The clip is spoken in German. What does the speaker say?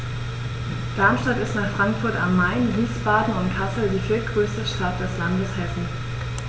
Darmstadt ist nach Frankfurt am Main, Wiesbaden und Kassel die viertgrößte Stadt des Landes Hessen